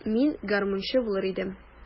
Мин гармунчы булыр идем.